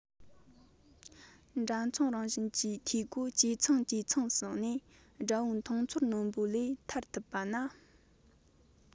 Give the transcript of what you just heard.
འདྲ མཚུངས རང བཞིན གྱི འཐུས སྒོ ཇེ ཚང ཇེ ཚང དུ སོང ནས དགྲ བོའི མཐོང ཚོར རྣོན པོ ལས ཐར ཐུབ པ ན